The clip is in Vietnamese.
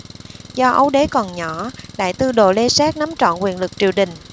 do ấu đế còn nhỏ đại tư đồ lê sát nắm trọn quyền lực triều đình